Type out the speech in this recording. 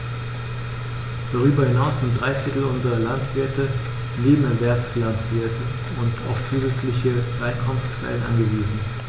Darüber hinaus sind drei Viertel unserer Landwirte Nebenerwerbslandwirte und auf zusätzliche Einkommensquellen angewiesen.